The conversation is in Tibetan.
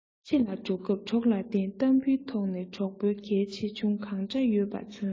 ཕྱི ལ སྐྱོད སྐབས གྲོགས ལ བརྟེན གཏམ དཔེའི ཐོག ནས གྲོགས པོའི གལ ཆེ ཆུང གང འདྲ ཡོད པ མཚོན ལ